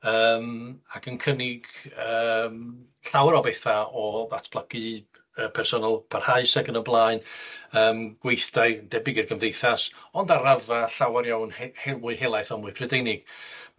Yym ac yn cynnig yym llawer o betha o ddatblygu yy personol parhaus ac yn y blaen yym gweithdai debyg i'r gymdeithas. Ond ar raddfa llawer iawn he- he- mwy helaeth a mwy Prydeinig.